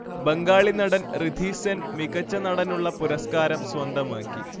ബംഗാളി നടൻ ഋഥീസെൻ മികച്ച നടനുള്ള പുരസ്ക്കാരം സ്വന്തമാക്കി